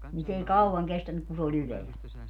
niin se ei kauan kestänyt kun se oli ylhäällä